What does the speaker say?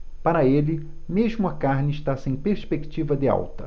para ele mesmo a carne está sem perspectiva de alta